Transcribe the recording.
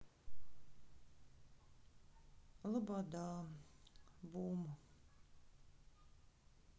лобода бум